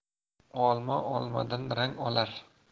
olma olmadan rang olar